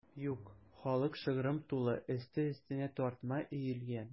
Юк, халык шыгрым тулы, өсте-өстенә тартма өелгән.